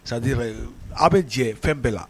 C'est dire a' bɛ jɛ fɛn bɛɛ la